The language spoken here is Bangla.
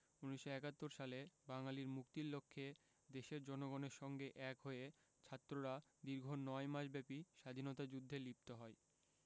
১৯৭১ সালে বাঙালির মুক্তির লক্ষ্যে দেশের জনগণের সঙ্গে এক হয়ে ছাত্ররা দীর্ঘ নয় মাসব্যাপী স্বাধীনতা যুদ্ধে লিপ্ত হয়